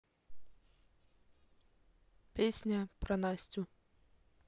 песня про настю